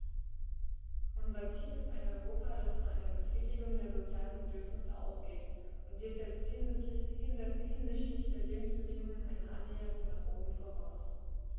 Unser Ziel ist ein Europa, das von einer Befriedigung der sozialen Bedürfnisse ausgeht, und dies setzt hinsichtlich der Lebensbedingungen eine Annäherung nach oben voraus.